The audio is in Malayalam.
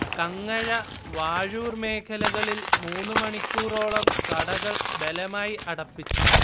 കങ്ങഴ, വാഴൂർ മേഖലകളിൽ മൂന്നു മണിക്കൂറോളം കടകൾ ബലമായി അടപ്പിച്ചു